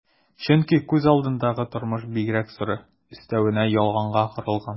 Чөнки күз алдындагы тормыш бигрәк соры, өстәвенә ялганга корылган...